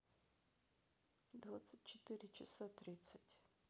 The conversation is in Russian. двадцать четыре часа тридцать